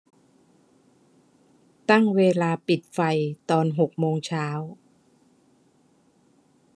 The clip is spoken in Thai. ตั้งเวลาปิดไฟตอนหกโมงเช้า